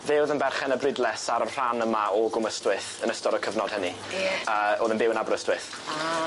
Fe o'dd yn berchen y brydles ar y rhan yma o Gwm Ystwyth yn ystod y cyfnod hynny. Ie. Yy o'dd yn byw yn Aberystwyth. A ie.